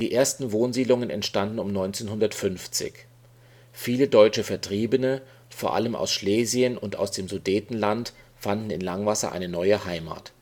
ersten Wohnsiedlungen entstanden um 1950. Viele deutsche Vertriebene, vor allem aus Schlesien und aus dem Sudetenland, fanden in Langwasser eine neue Heimat